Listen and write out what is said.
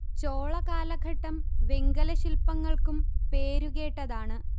ചോള കാലഘട്ടം വെങ്കല ശില്പങ്ങൾക്കും പേരുകേട്ടതാണ്